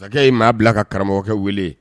Masakɛ ye maa bila ka karamɔgɔkɛ wele